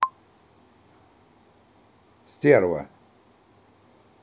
стерва